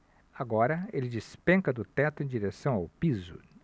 agora ele despenca do teto em direção ao piso